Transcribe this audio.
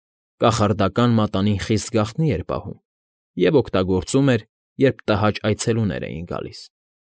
Կախարդական մատանին խիստ գաղտնի էր պահում և օգտագործում էր, երբ տհաճ այցելուներ էին գալիս։